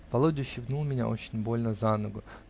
Володя ущипнул меня очень больно за ногу